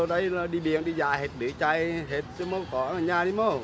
đây là điều kiện đi dạo hoặc đĩa cháy hết tôi muốn có ở nhà đi mau